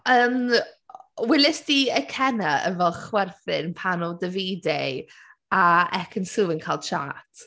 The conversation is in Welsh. Yym, welest ti Ikenna yn fel chwerthin pan oedd Davide a Ekin-Su yn cael chat?